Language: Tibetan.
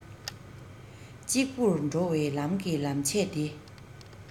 གཅིག པོར འགྲོ བའི ལམ གྱི ལམ ཆས འདི